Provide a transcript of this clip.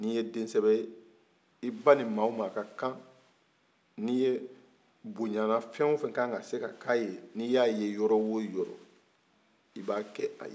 n'i ye den sɛbɛ ye i ba ni mawoma ka kan ni ye boŋama fɛnwofɛn kakan ka se k'a ye ni y'a ye yɔrɔwoyɔrɔ i b'a kɛ a ye